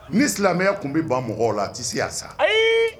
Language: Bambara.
Ni silamɛya tun bɛ ban mɔgɔw la a tɛ se a sa